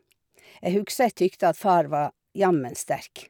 Jeg husker jeg tykte at far var jammen sterk.